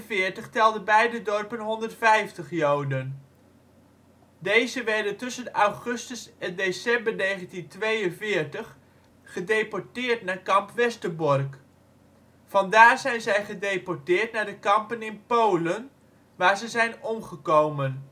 1942 telden beide dorpen 150 joden. Deze werden tussen augustus en december 1942 gedeporteerd naar Kamp Westerbork. Van daar zijn zij gedeporteerd naar de kampen in Polen, waar ze zijn omgekomen